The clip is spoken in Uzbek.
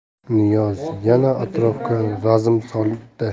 niyoz yana atrofga razm soldi